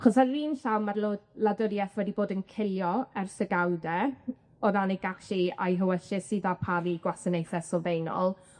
'Chos ar yr un llaw, ma'r lo- wladwrieth wedi bod yn cilio ers ddegawde o ran ei gallu a'i hewyllys i ddarparu gwasanaeth sylfaenol.